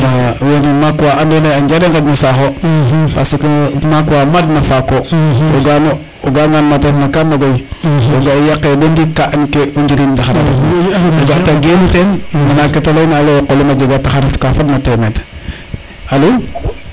vraiment wene maak wa ando naye a njara ŋaƴno saxo parce que maak wa maad na fako to ga ano o ga'a ngan mata refna ka nogoy to ga i yaqe bo ndik ka an ke o njiriñ ndaxar a ref na o ga te genu ten nana kete leyna a leye o qolum a jega taxar ka fad na temed alo